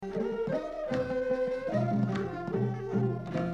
San